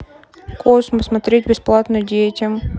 космо смотреть бесплатно детям